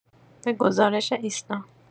به گزارش ایسنا